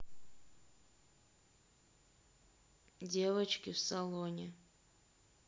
девочки в салоне